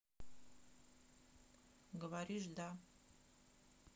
говоришь да